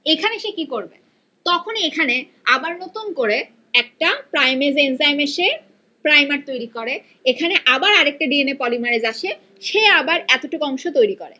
এখানে সে কি করবে তখন এখানে আবার নতুন করে একটা প্রাইমেজ এনজাইম এসে প্রাইমার তৈরি করে এখানে আবার একটা ডি এন এ পলিমারেজ আসে সে আবার এতটুক অংশ তৈরি করে